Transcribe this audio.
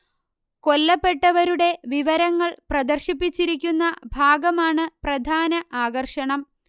കൊല്ലപ്പെട്ടവരുടെ വിവരങ്ങൾ പ്രദർശിപ്പിച്ചിരിക്കുന്ന ഭാഗമാണ് പ്രധാന ആകർഷണം